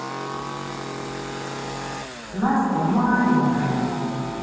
настя маленькая